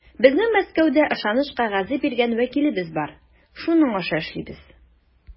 Безнең Мәскәүдә ышаныч кәгазе биргән вәкилебез бар, шуның аша эшлибез.